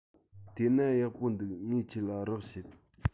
དེ ན ཡག པོ འདུག ངས ཁྱོད ལ རོགས བྱེད